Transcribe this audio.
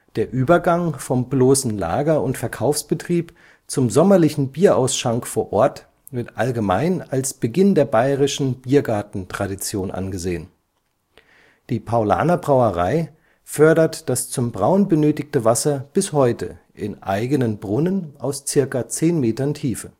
Der Übergang vom bloßen Lager - und Verkaufsbetrieb zum sommerlichen Bierausschank vor Ort wird allgemein als Beginn der bayerischen Biergartentradition angesehen. Die Paulaner Brauerei fördert das zum Brauen benötigte Wasser bis heute in eigenen Brunnen aus ca. 10 Metern Tiefe